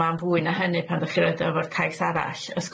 ma'n fwy na hynny pan dach chi roid o efo'r cais arall wrth